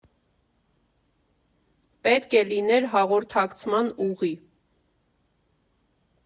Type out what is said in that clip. Պետք է լիներ հաղորդակցման ուղի։